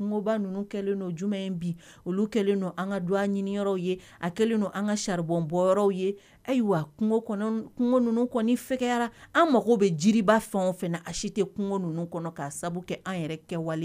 Kungoba ninnu kɛlen don jumɛnuma in bi olu kɛlen don an ka don an ɲiniyɔrɔw ye a kɛlen don an ka cariɔn bɔyɔrɔw ye ayiwa kungo kungo ninnu kɔni fɛyara an mago bɛ jiriba fɛn o fana a si tɛ kungo ninnu kɔnɔ ka sababu kɛ an yɛrɛ kɛwale